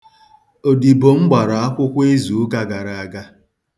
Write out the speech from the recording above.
Odibo m gbara akwụkwọ izuụka gara aga.